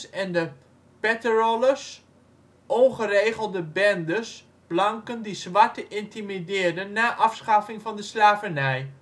en de patterollers, ongeregelde bendes blanken die zwarten intimideerden na afschaffing van de slavernij